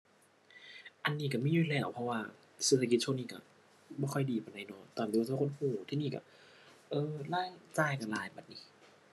อันนี้ก็มีอยู่แล้ว เพราะว่าเศรษฐกิจช่วงนี้ก็บ่ค่อยดีปานใดดอก ซุคนก็ ทีนี้ก็ เออ รายจ่ายก็หลายบัดนี้